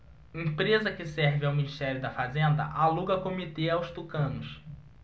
empresa que serve ao ministério da fazenda aluga comitê aos tucanos